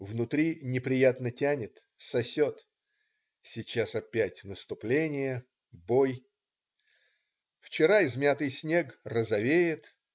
Внутри неприятно тянет, сосет: "сейчас опять наступление, бой". Вчера измятый снег розовеет.